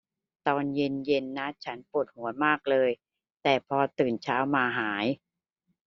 ตอนเย็นเย็นนะฉันปวดหัวมากเลยแต่พอตื่นเช้ามาหาย